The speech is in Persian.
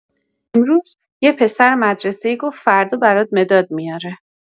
امروز یه پسر مدرسه‌ای گفت فردا برات مداد میاره.